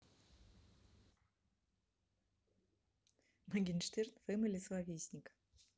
morgenshtern family словесник